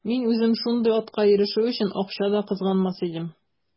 Мин үзем шундый атка ирешү өчен акча да кызганмас идем.